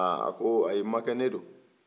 a ko ayi ma kɛ ne don